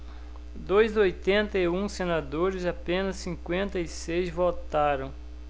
dos oitenta e um senadores apenas cinquenta e seis votaram